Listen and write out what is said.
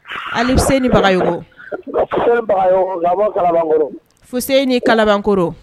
Ali se ni baga fosen ni kalako